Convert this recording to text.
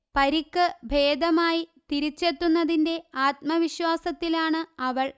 പരിക്ക് ഭേദമായി തിരിച്ചെത്തുന്നതിന്റെ ആത്മ വിശ്വാസത്തിലാണ് അവൾ